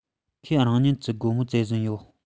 ཁོས རང ཉིད ཀྱི སྒོར མོ བཙལ བཞིན ཡོད